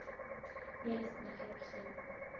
Mir ist nach Häppchen.